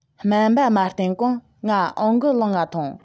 སྨན པ མ བསྟན གོང ང ཨང ཀི ལོངས ང ཐོངས